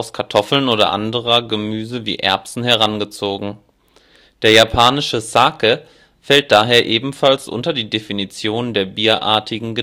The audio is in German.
Kartoffeln oder anderer Gemüse wie Erbsen herangezogen. Der japanische Sake (aus Reis hergestellt) fällt daher ebenfalls unter die Definition der bierartigen